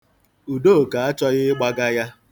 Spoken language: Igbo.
Udoka achọghị ịgbaga ya.